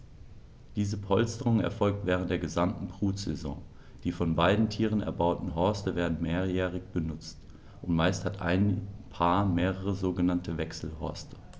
Diese Polsterung erfolgt während der gesamten Brutsaison. Die von beiden Tieren erbauten Horste werden mehrjährig benutzt, und meist hat ein Paar mehrere sogenannte Wechselhorste.